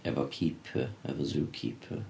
efo keeper, efo zookeeper.